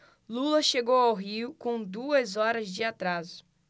lula chegou ao rio com duas horas de atraso